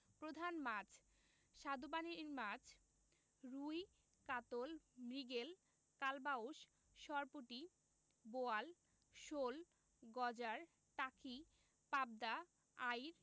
প্রধান মাছঃ স্বাদুপানির মাছ রুই কাতল মৃগেল কালবাউস সরপুঁটি বোয়াল শোল গজার টাকি পাবদা আইড়